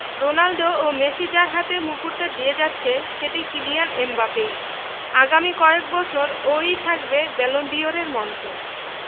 Ronaldo ও Messi যার হাতে মুকুটটা দিয়ে যাচ্ছে সেটি কিলিয়ান এমবাপ্পেই আগামী কয়েক বছরে ও ই থাকবে ব্যালন ডি অরের মঞ্চে